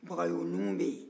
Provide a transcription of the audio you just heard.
bagayɔgɔ numuw bɛ yen